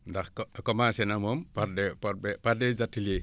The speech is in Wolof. ndax co commencé na moom par des par des ateliers